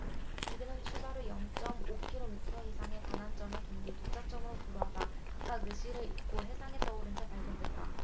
이들은 출발 후 영 쩜 오 키로미터 해상의 반환점을 돈 뒤 도착점으로 돌아오다 각각 의식을 잃고 해상에 떠오른 채 발견됐다